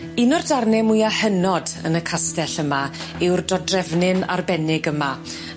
Un o'r darne mwya hynod yn y castell yma yw'r dodrefnyn arbennig yma.